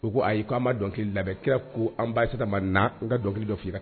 U ko ayi k'an ma dɔnkiliki labɛn kira ko an basi ma na n ka dɔnkili dɔ f i